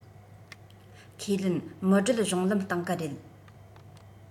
ཁས ལེན མི བགྲོད གཞུང ལམ སྟེང གི རེད